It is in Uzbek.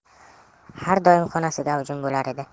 har doim xonasi gavjum bo'lar edi